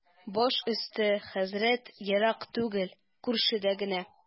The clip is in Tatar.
Баш өсте, хәзрәт, ерак түгел, күршедә генә.